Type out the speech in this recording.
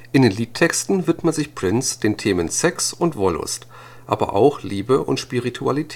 In den Liedtexten widmet sich Prince den Themen Sex und Wollust, aber auch Liebe und Spiritualität